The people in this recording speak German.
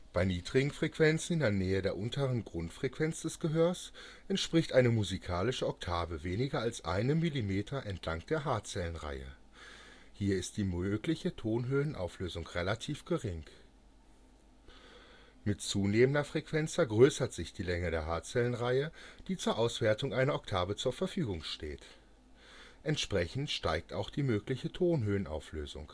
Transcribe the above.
Bei niedrigen Frequenzen in der Nähe der unteren Grenzfrequenz des Gehörs entspricht eine musikalische Oktave weniger als einem Millimeter entlang der Haarzellenreihe. Hier ist die mögliche Tonhöhenauflösung relativ gering. Mit zunehmender Frequenz vergrößert sich die Länge der Haarzellenreihe, die zur Auswertung einer Oktave zur Verfügung steht. Entsprechend steigt auch die mögliche Tonhöhenauflösung